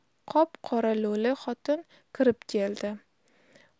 qop qora lo'li xotin kirib keldi